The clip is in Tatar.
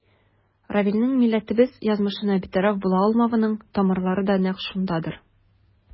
Равилнең милләтебез язмышына битараф була алмавының тамырлары да нәкъ шундадыр.